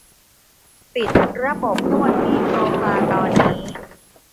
ปิดระบบนวดที่โซฟาตอนนี้